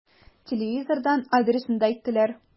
Телевизордан адресын да әйттеләр.